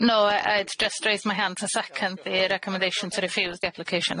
No I- I d- jyst raised my hand for second the recommendation to refuse the application.